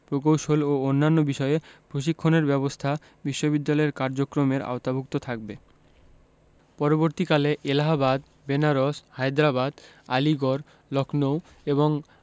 প্রকৌশল ও অন্যান্য বিষয়ে প্রশিক্ষণের ব্যবস্থা বিশ্ববিদ্যালয়ের কার্যক্রমের আওতাভুক্ত থাকবে পরবর্তীকালে এলাহাবাদ বেনারস হায়দ্রাবাদ আলীগড় লক্ষ্ণৌ এবং